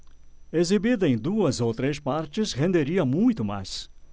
exibida em duas ou três partes renderia muito mais